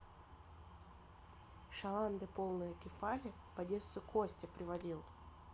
шаланды полные кефали в одессу костя приводил